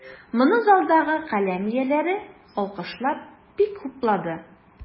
Моны залдагы каләм ияләре, алкышлап, бик хуплады.